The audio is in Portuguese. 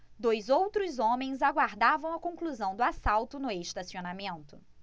dois outros homens aguardavam a conclusão do assalto no estacionamento